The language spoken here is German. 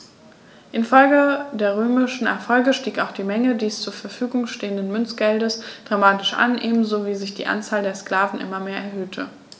Infolge der römischen Erfolge stieg auch die Menge des zur Verfügung stehenden Münzgeldes dramatisch an, ebenso wie sich die Anzahl der Sklaven immer mehr erhöhte.